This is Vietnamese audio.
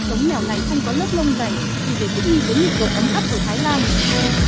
giống mèo này không có lớp lông dày vì để thích nghi với nhiệt độ ấm áp ở thái lan